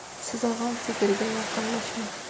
suzag'on sigirga yaqinlashma